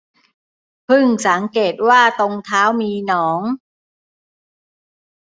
พึ่งสังเกตว่าตรงเท้ามีหนอง